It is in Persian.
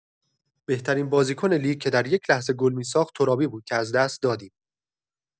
بهترین بازیکن لیگ که در یک‌لحظه گل می‌ساخت ترابی بود که از دست دادیم.